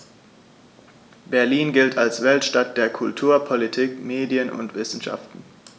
Berlin gilt als Weltstadt der Kultur, Politik, Medien und Wissenschaften.